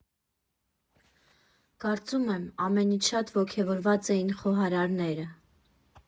Կարծում եմ, ամենից շատ ոգևորված էին խոհարարները։